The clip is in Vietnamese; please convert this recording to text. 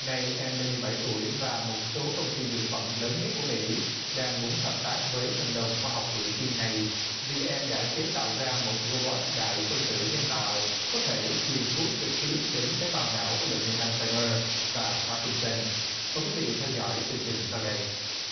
nay em lên mười bảy tuổi và một số công ty dược phẩm lớn nhất của mỹ đang muốn hợp tác với thần đồng khoa học tuổi tin này vì em đã chế tạo ra một rô bốt đại phần tử nhân tạo có thể truyền thuốc trực tiếp đến tế bào não của bệnh nhân an dây mơ và pắc kim sơn mời quý vị theo dõi từng trình sau đây